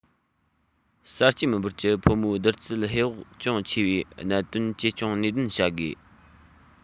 གསར སྐྱེས མི འབོར གྱི ཕོ མོའི བསྡུར ཚད ཧེ བག ཅུང ཆེ བའི གནད དོན བཅོས སྐྱོང ནུས ལྡན བྱ དགོས